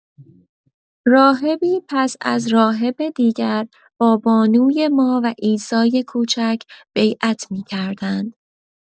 راهبی پس از راهب دیگر با بانوی ما و عیسای کوچک بیعت می‌کردند.